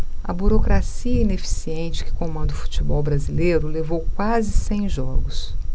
a burocracia ineficiente que comanda o futebol brasileiro levou quase cem jogos